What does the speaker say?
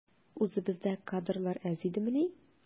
Үзебездә кадрлар аз идемени?